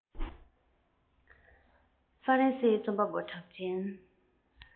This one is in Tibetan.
ཧྥ རན སིའི རྩོམ པ པོ གྲགས ཅན